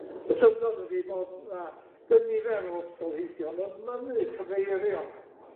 Y syndod ydi bod 'na gynifer o ysgolheigion yn mynnu cyfeirio